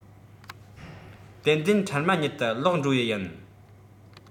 ཏན ཏན འཕྲལ མ ཉིད དུ ལོག འགྲོ ཡི ཡིན